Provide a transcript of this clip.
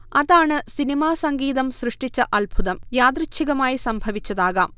അതാണ് സിനിമാസംഗീതം സൃഷ്ടിച്ച അദ്ഭുതം യാദൃച്ഛികമായി സംഭവിച്ചതാകാം